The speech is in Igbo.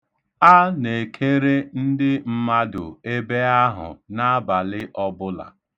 A na-ekere ndị mmadụ ebe ahụ n'abalị ọbụla.